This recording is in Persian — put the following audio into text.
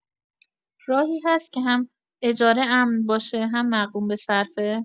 راهی هست که هم اجاره امن باشه هم مقرون‌به‌صرفه؟